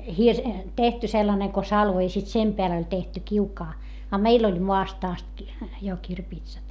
- tehty sellainen kuin salvo ja sitten sen päälle oli tehty kiuas a meillä oli maasta asti - jo kirpitsat